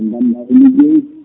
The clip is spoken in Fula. ganda *